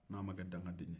n'an makɛ dankaden ye